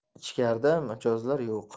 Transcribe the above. ichkarida mijozlar yo'q